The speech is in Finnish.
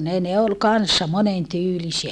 ne ne oli kanssa monen tyylisiä